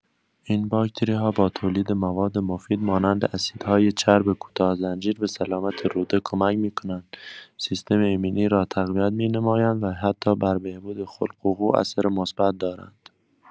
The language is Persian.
این باکتری‌ها با تولید مواد مفید مانند اسیدهای چرب کوتاه‌زنجیر به سلامت روده کمک می‌کنند، سیستم ایمنی را تقویت می‌نمایند و حتی بر بهبود خلق و خو اثر مثبت دارند.